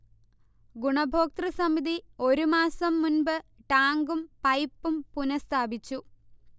ഗുണഭോക്തൃസമിതി ഒരുമാസം മുൻപ് ടാങ്കും പൈപ്പും പുനഃസ്ഥാപിച്ചു